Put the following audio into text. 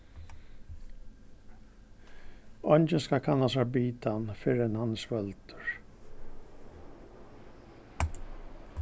eingin skal kanna sær bitan fyrr enn hann er svølgdur